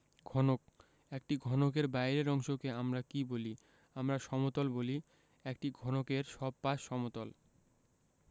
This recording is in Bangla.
ঘনকঃ একটি ঘনকের বাইরের অংশকে আমরা কী বলি আমরা সমতল বলি একটি ঘনকের সব পাশ সমতল